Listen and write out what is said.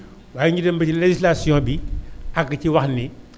waaye ñu dem ba ci législation bi àgg ci wax ni